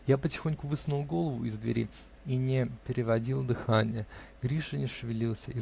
Я потихоньку высунул голову из двери и не переводил дыхания. Гриша не шевелился